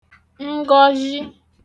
ngọzhị